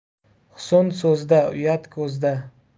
husn so'zda uyat ko'zda